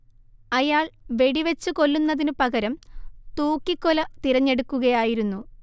അയാൾ വെടിവച്ച് കൊല്ലുന്നതിനു പകരം തൂക്കിക്കൊല തിരഞ്ഞെടുക്കുകയായിരുന്നു